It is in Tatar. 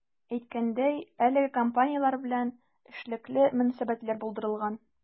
Әйткәндәй, әлеге компанияләр белән эшлекле мөнәсәбәтләр булдырылган.